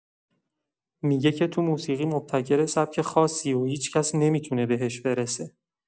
می‌گه که تو موسیقی مبتکر سبک خاصیه و هیچ‌کس نمی‌تونه بهش برسه.